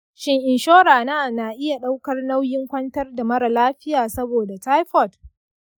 shin inshora na, na iya ɗaukar nauyin kwantar da mara lafiya saboda typhoid?